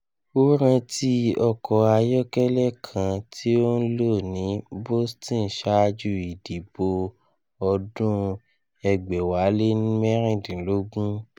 O ranti ọkọ ayọkẹlẹ kan ti o nlo ni Boston ṣaaju idibo ọdun 2016.